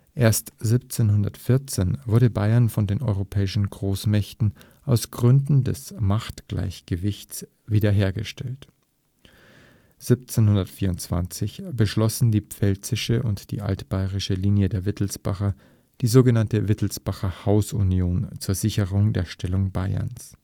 Erst 1714 wurde Bayern von den europäischen Großmächten aus Gründen des Machtgleichgewichts wiederhergestellt. 1724 beschlossen die pfälzische und die altbayerische Linie der Wittelsbacher die sogenannte Wittelsbacher Hausunion zur Sicherung der Stellung Bayerns